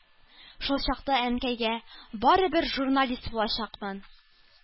Шул чакта Әнкәйгә: ”Барыбер журналист булачакмын,